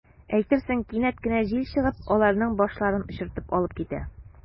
Әйтерсең, кинәт кенә җил чыгып, аларның “башларын” очыртып алып китә.